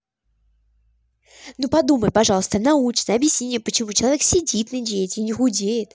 ну подумай пожалуйста научный объясни мне почему человек сидит на диете и не худеет